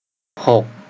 หก